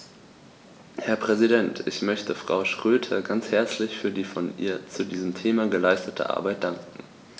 Herr Präsident, ich möchte Frau Schroedter ganz herzlich für die von ihr zu diesem Thema geleistete Arbeit danken.